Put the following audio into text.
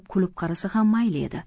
kulib qarasa ham mayli edi